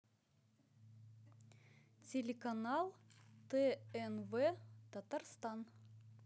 телеканал тнв татарстан